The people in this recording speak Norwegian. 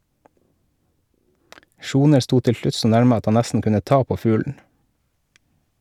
Sjoner sto til slutt så nærme at han nesten kunne ta på fuglen.